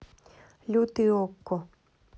лютый окко